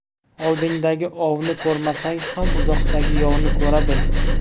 oldingdagi ovni ko'rmasang ham uzoqdagi yovni ko'ra bil